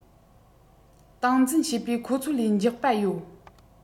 སྟངས འཛིན བྱེད པའི ཁོ ཚོ ལས མགྱོགས པ ཡོད